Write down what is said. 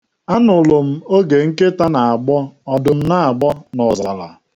Anụrụ m oge nkịta na-agbọ odum na-agbọ n'ọzara.